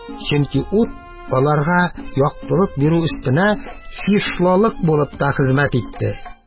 Чөнки ут аларга яктылык бирү өстенә числолык булып та хезмәт итте